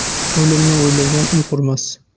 o'limni o'ylagan uy qurmas